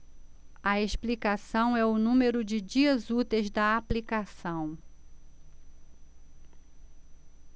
a explicação é o número de dias úteis da aplicação